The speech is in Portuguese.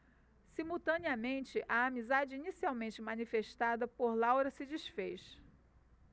simultaneamente a amizade inicialmente manifestada por laura se disfez